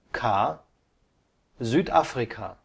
K: Südafrika